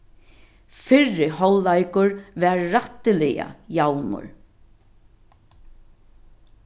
fyrri hálvleikur var rættiliga javnur